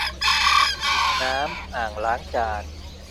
ปิดน้ำอ่างล้างจาน